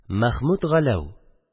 Мәхмүт Галәү